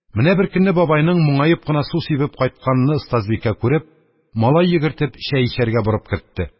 Менә беркөнне бабайның моңаеп кына су сибеп кайтканыны остазбикә күреп, малай йөгертеп, чәй эчәргә борып кертте.